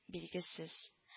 Билгесез